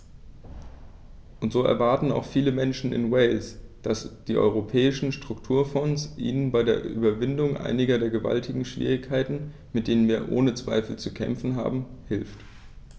Und so erwarten auch viele Menschen in Wales, dass die Europäischen Strukturfonds ihnen bei der Überwindung einiger der gewaltigen Schwierigkeiten, mit denen wir ohne Zweifel zu kämpfen haben, hilft.